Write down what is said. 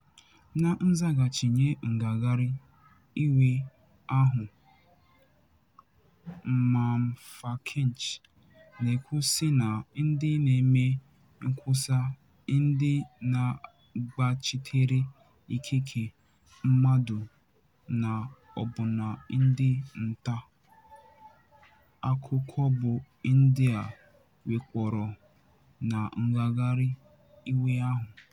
Na nzaghachi nye ngagharị iwe ahụ, Mamfakinch na-ekwu sị na ndị na-eme nkwusa, ndị na-agbachitere ikike mmadụ na ọbụna ndị nta akụkọ bụ ndị a wakporo na ngagharị iwe ahụ.